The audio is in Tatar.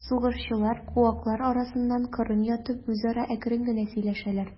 Сугышчылар, куаклар арасында кырын ятып, үзара әкрен генә сөйләшәләр.